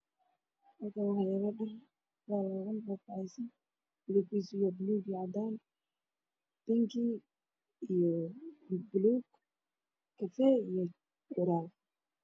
Meeshaan waxaa yaalla go-yaal midabbadoodu cadaan iyo gudahood iyo bulug yihiin oo saaran meel